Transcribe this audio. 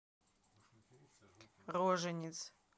рожениц